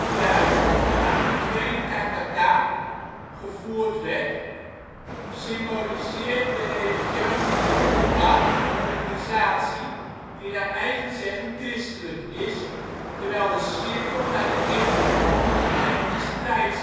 kruis, dat vanaf de Tweede KKK (Tweede Tijdperk, zie onder) gevoerd werd, symboliseert de religieuze onderbouw van de organisatie die naar eigen zeggen christelijk is, terwijl de cirkel naar de eeuwige verbondenheid en strijd